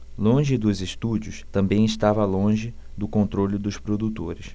longe dos estúdios também estava longe do controle dos produtores